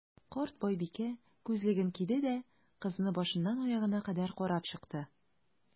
Карт байбикә, күзлеген киде дә, кызны башыннан аягына кадәр карап чыкты.